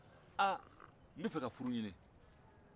aaa n bɛ ka furu ɲini